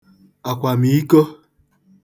àkwàmììko